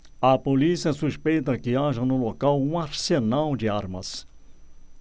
a polícia suspeita que haja no local um arsenal de armas